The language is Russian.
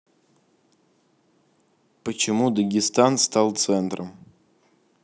почему дагестан стал центром